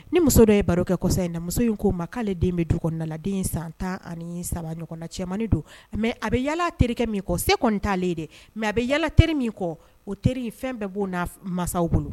Ni muso dɔ ye barokɛ kɔsa in na muso in ko ma k'ale den bɛ du kɔnɔna na den ye san 13 ɲɔgɔn na cɛmanni don mais a bɛ yala terikɛ min kɔ se kɔni t'ale ye dɛ mais a bɛ yala teri min kɔ, o teri fɛn bɛɛ b'o na masaw bolo